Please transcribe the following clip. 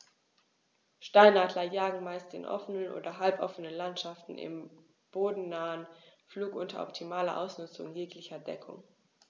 Steinadler jagen meist in offenen oder halboffenen Landschaften im bodennahen Flug unter optimaler Ausnutzung jeglicher Deckung.